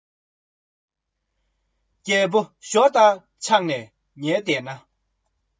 ཡུལ སྡེ མ འཁྱོམས གོང ལ མི ངན ཕུད